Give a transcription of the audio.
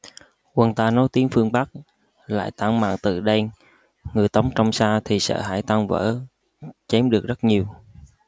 quân ta nói tiếng phương bắc lại tản mạn tự đên người tống trông xa thì sợ hãi tan vỡ chém được rất nhiều